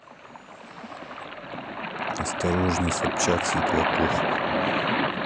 осторожно собчак светлаков